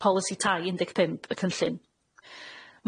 Polisi tai un deg pump y cynllun.